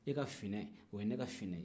e ka finɛ o ye ne ka finɛ ye